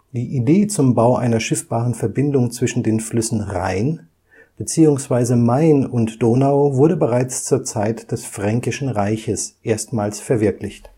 Idee zum Bau einer schiffbaren Verbindung zwischen den Flüssen Rhein bzw. Main und Donau wurde bereits zur Zeit des Fränkischen Reiches erstmals verwirklicht